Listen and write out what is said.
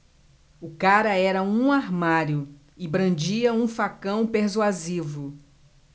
o cara era um armário e brandia um facão persuasivo